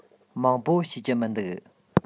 མང པོ ཤེས ཀྱི མི འདུག